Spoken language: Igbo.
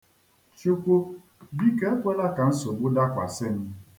Chukwu, biko ekwela ka nsogbu dakwasị m.